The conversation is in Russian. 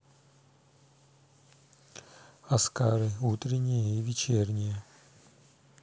азкары утренние и вечерние